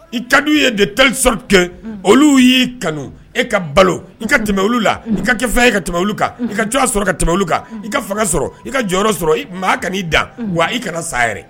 I ka ye de tanli sɔrɔ kɛ olu y'i kanu e ka balo i ka tɛmɛ olu la i ka kɛ fɛn ye ka tɛmɛ olu kan i ka jɔ sɔrɔ ka tɛmɛ kan i ka fanga sɔrɔ i ka jɔyɔrɔ sɔrɔ i maa ka'i da wa i kana saya yɛrɛ